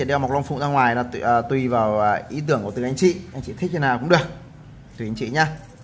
thì đeo mặt long phụng ra ngoài tùy vào ý tưởng của anh chị anh chị thích thế nào cũng được tùy anh chị nhé